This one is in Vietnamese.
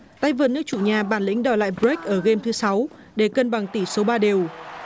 tay vợt nước chủ nhà bản lĩnh đòi lại bờ rếc ở ghêm thứ sáu để cân bằng tỷ số ba đều